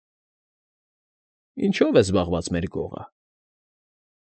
Ինչո՞վ է զբաղված մեր գողը։